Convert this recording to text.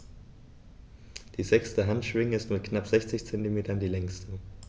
Die sechste Handschwinge ist mit knapp 60 cm die längste.